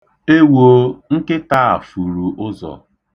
Ewoo! Nkịta a furu ụzọ.